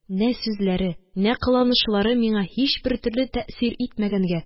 Нә сүзләре, нә кылынышлары миңа һичбер төрле тәэсир итмәгәнгә